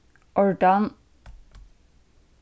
ordan